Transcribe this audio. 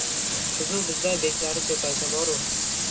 sizu bizday beklari ko'paysa borur